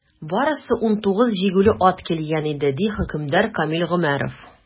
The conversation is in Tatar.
Барысы 19 җигүле ат килгән иде, - ди хөкемдар Камил Гомәров.